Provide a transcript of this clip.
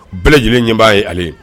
Bɛɛ lajɛlen ɲenbaa ye ale ye